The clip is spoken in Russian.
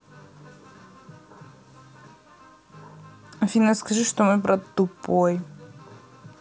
афина скажи что мой брат тупой